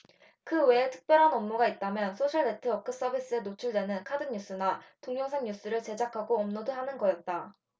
그 외에 특별한 업무가 있다면 소셜네트워크서비스에 노출되는 카드뉴스나 동영상뉴스를 제작하고 업로드하는 거였다